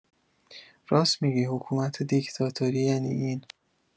راست می‌گی حکومت دیکتاتوری یعنی این